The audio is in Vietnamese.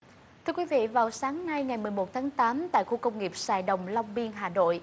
thưa quý vị vào sáng nay ngày mười một tháng tám tại khu công nghiệp sài đồng long biên hà nội